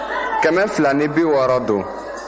kɛmɛ fila ni bi wɔɔrɔ don